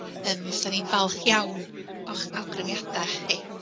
Yy mi fyswn ni'n falch iawn o'ch awgrymiadau chi.